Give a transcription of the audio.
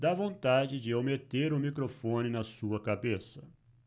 dá vontade de eu meter o microfone na sua cabeça